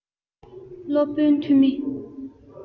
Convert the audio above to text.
སློབ དཔོན ཐོན མི